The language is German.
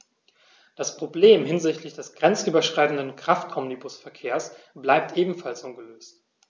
Das Problem hinsichtlich des grenzüberschreitenden Kraftomnibusverkehrs bleibt ebenfalls ungelöst.